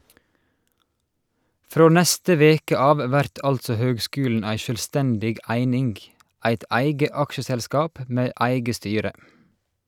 Frå neste veke av vert altså høgskulen ei sjølvstendig eining, eit eige aksjeselskap med eige styre.